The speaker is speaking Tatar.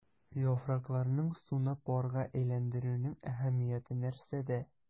Яфракларның суны парга әйләндерүнең әһәмияте нәрсәдә?